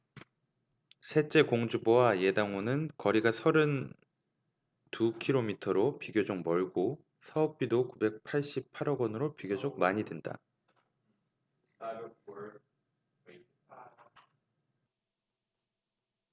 셋째 공주보와 예당호는 거리가 서른 두 키로미터로 비교적 멀고 사업비도 구백 팔십 팔 억원으로 비교적 많이 든다